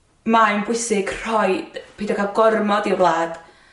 Mae'n bwysig rhoi yy pido ga'l gormod i'r wlad